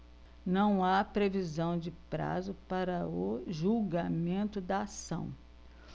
não há previsão de prazo para o julgamento da ação